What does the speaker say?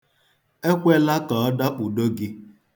Ekwela ka ọ dakpudo gị